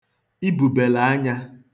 ibùbèlè anyā